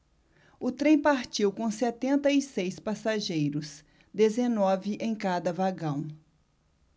o trem partiu com setenta e seis passageiros dezenove em cada vagão